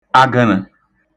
agə̣ṙə̣̄